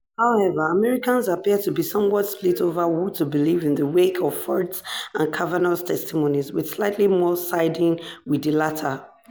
However, Americans appear to be somewhat split over who to believe in the wake of Ford's and Kavanaugh's testimonies, with slightly more siding with the latter.